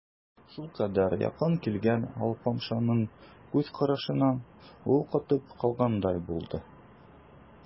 Шулкадәр якын килгән алпамшаның күз карашыннан ул катып калгандай булды.